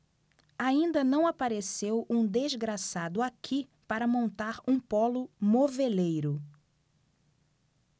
ainda não apareceu um desgraçado aqui para montar um pólo moveleiro